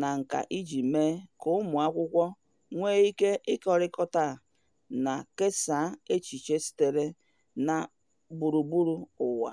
na nkà iji mee ka ụmụakwụkwọ nwee ike ịkekọrịta na kesaa echiche sitere na gburugburu ụwa.